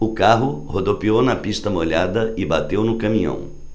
o carro rodopiou na pista molhada e bateu no caminhão